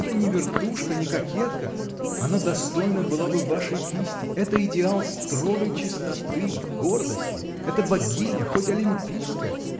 Это не вертушка, не кокетка: она достойна была бы вашей кисти: это идеал строгой чистоты, гордости это богиня, хоть олимпийская.